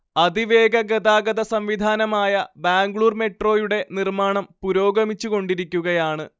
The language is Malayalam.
അതിവേഗ ഗതാഗത സം‌വിധാനമായ ബാംഗ്ലൂർ മെട്രോയുടെ നിർമ്മാണം പുരോഗമിച്ചു കൊണ്ടിരിക്കുകയാണ്‌